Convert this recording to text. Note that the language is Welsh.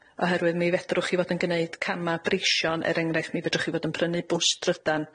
oherwydd mi fedrwch chi fod yn gneud cama breision, er enghraifft, mi fedrwch chi fod yn prynu bws drydan